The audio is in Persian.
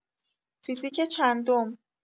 فیزیک چندم